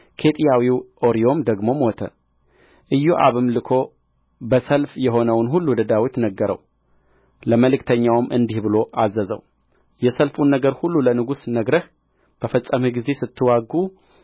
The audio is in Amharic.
ኬጢያዊው ኦርዮም ደግሞ ሞተ ኢዮአብም ልኮ በሰልፍ የሆነውን ሁሉ ለዳዊት ነገረው ለመልእክተኛውም እንዲህ ብሎ አዘዘው የሰልፉን ነገር ሁሉ ለንጉሡ ነግረህ በፈጸምህ ጊዜ ስትዋጉ